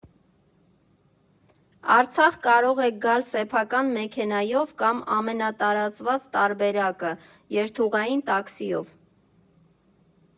Արցախ կարող եք գալ սեփական մեքենայով կամ (ամենատարածված տարբերակը) երթուղային տաքսիով։